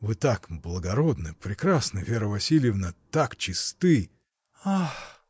— Вы так благородны, прекрасны, Вера Васильевна. так чисты. — Ах!